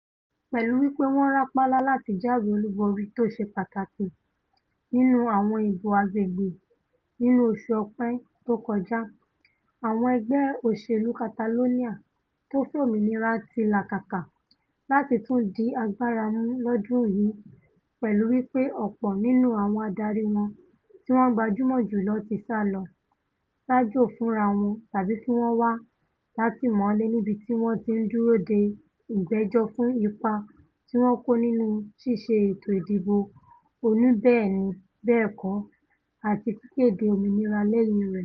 Pẹ̀lú wí pé wọ́n rápálá láti jáwé olúborí tóṣe pàtakì nínú àwọn ìbò agbègbè̀̀ nínú oṣù Ọpẹ́ tó kọjá, àwọn ẹgbẹ́ òṣèlú Catalonia tófẹ́ òmìnira ti làkàkà láti tún di agbára mú lọ́dún yìí p̀ẹlú wí pé ọ̀pọ̀ nínú àwọn adarí wọn tí wọ́n gbajúmọ̀ jùlọ ti sálọ lọ sájò fúnrawọn tàbí kí wọ́n wà látìmọ́lé nibiti wọn tí ń dúró dé ìgbẹ́jọ́ fún ipa ti wọ́n kó nínú ṣíṣe ètò ìdìbò oníbẹ́ẹ̀ni-bẹ́ẹ̀kọ́ àti kíkéde òmìnira lẹ́yìn rẹ̀.